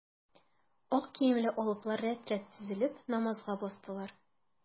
Ак киемле алыплар рәт-рәт тезелеп, намазга бастылар.